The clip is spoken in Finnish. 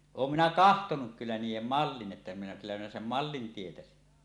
olen minä katsonut kyllä niiden mallin että minä kyllä minä sen mallin tietäisin